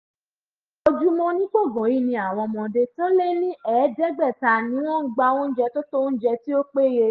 Ojoojúmọ́ ní gbọ̀ngán yìí ni àwọn ọmọdé tó lé ní 500 ní wọn ń gba oúnjẹ tó tó oúnjẹ, tí ó péye.